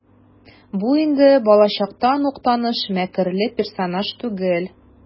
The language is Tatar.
Бу инде балачактан ук таныш мәкерле персонаж түгел.